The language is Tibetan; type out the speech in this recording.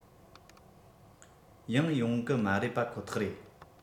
ཡང ཡོང གི མ རེད པ ཁོ ཐག རེད